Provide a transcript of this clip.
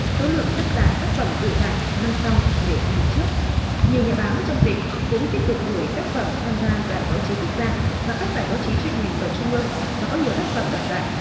số lượng tác giả tác phẩm dự giải năm sau nhiều hơn năm trước nhiều nhà báo trong tỉnh cũng tích cực gửi tác phẩm tham gia giải báo chí quốc gia và các giải báo chí chuyên ngành ở trung ương và có nhiều tác phẩm đoạt giải